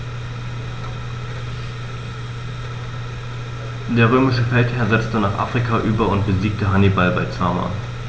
Der römische Feldherr setzte nach Afrika über und besiegte Hannibal bei Zama.